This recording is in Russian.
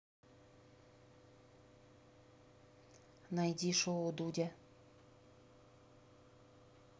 найди шоу дудя